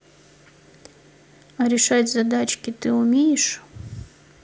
а решать задачки ты умеешь